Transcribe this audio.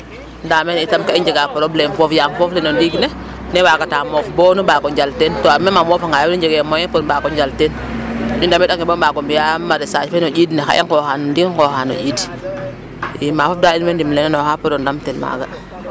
Ndaa mene itam ka i njega problème foofi yaam a foof le no ndiig nene waagata moof bo nu mbaag o njaltel to meme o moofanga yo i njegee moyen pour mbaag o njal teen i ndamit'ange bo mbaago mbi'aa maraichage no ƴiid ne nqooxaa no ndiig nqooxaa no ƴiid i maaga fop daal in mboy ndimle'ooxa pour o ndamtel maaga .